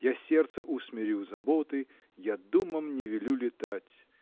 Я сердца усмирю заботы, Я думам не велю летать